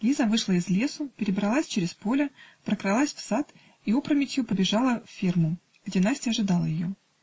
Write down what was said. Лиза вышла из лесу, перебралась через поле, прокралась в сад и опрометью побежала в ферму, где Настя ожидала ее.